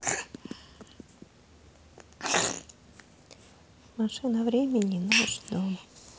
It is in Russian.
машина времени наш дом